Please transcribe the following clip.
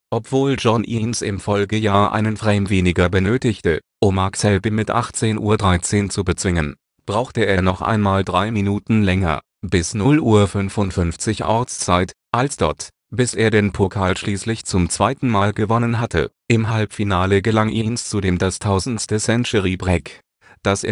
Obwohl John Higgins im Folgejahr einen Frame weniger benötigte, um Mark Selby mit 18:13 zu bezwingen, brauchte er noch einmal 3 Minuten länger (bis 0:55 Uhr Ortszeit) als Dott, bis er den Pokal schließlich zum zweiten Mal gewonnen hatte. Im Halbfinale gelang Higgins zudem das tausendste Century-Break, das